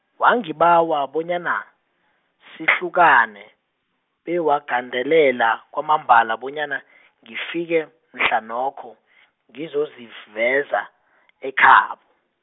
wangibawa bonyana, sihlukane, bewagandelela kwamambala bonyana , ngifike mhlanokho, ngizoziveza, ekhabo.